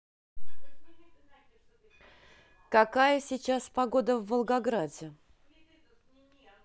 какая сейчас погода в волгограде